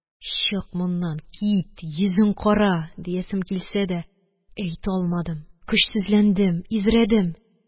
Чык моннан, кит, йөзең кара!» диясем килсә дә әйтә алмадым. Көчсезләндем. Изрәдем.